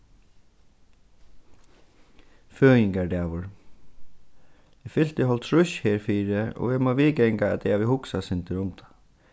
føðingardagur eg fylti hálvtrýss herfyri og eg má viðganga at eg havi hugsað eitt sindur um tað